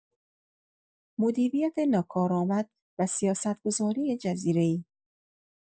مدیریت ناکارآمد و سیاست‌گذاری جزیره‌ای